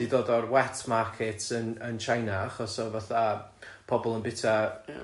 ...'di dod o'r wet markets yn yn China achos o fatha pobol yn bwyta... Ia.